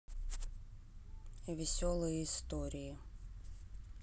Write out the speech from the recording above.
веселые истории